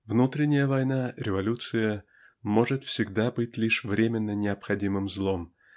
внутренняя война -- революция -- может всегда быть лишь временно необходимым злом